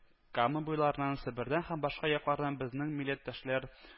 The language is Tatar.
Кама буйларыннан, Себердән һәм башка яклардан безнең милләттәшләр